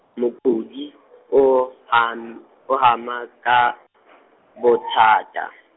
mokudi o ham-, o hama ka, bothata.